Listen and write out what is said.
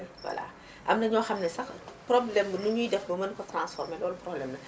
voilà am na ñoo xam ne sax problème bi nuñuy def ba mën ko transformé loolu problème la